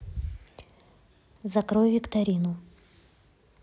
закрой викторину